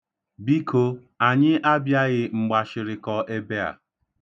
Biko, anyị abịaghị mgbashịrịkọ ebe a.